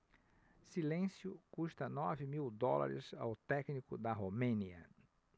silêncio custa nove mil dólares ao técnico da romênia